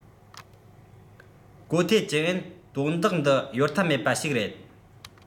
གོ ཐའེ ཅུན ཨན དོན དག འདི གཡོལ ཐབས མེད པ ཞིག རེད